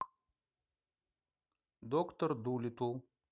доктор дулитл